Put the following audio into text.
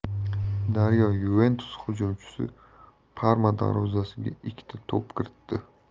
daryo yuventus hujumchisi parma darvozasiga ikkita to'p kiritdi